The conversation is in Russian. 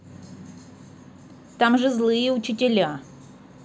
там же злые учителя